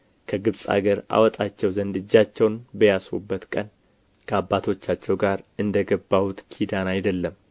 ከግብፅ አገር አወጣቸው ዘንድ እጃቸውን በያዝሁበት ቀን ከአባቶቻቸው ጋር እንደገባሁት ኪዳን አይደለም